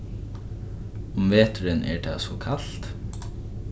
um veturin er tað so kalt